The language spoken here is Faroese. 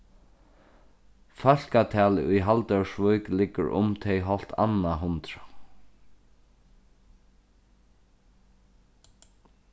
fólkatalið í haldórsvík liggur um tey hálvt annað hundrað